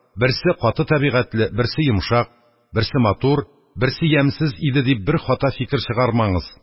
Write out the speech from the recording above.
Берсе каты табигатьле, берсе йомшак; берсе матур, берсе ямьсез иде дип, бер хата фикер чыгармаңыз.